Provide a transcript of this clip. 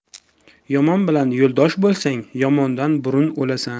yomon bilan yo'ldosh bo'lsang yomondan burun o'lasan